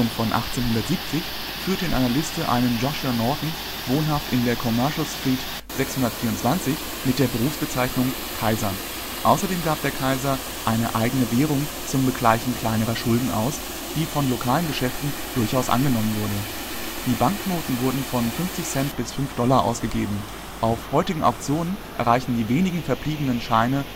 von 1870 führt in der Liste einen Joshua Norton, wohnhaft in der Commercial St. 624 mit der Berufsbezeichnung „ Kaiser “. Außerdem gab der Kaiser eine eigene Währung zum Begleichen kleinerer Schulden aus, die von lokalen Geschäften durchaus angenommen wurde. Die Banknoten wurden von 50 Cent bis 5$ ausgegeben; auf heutigen Auktionen erreichen die wenigen verbliebenen Scheine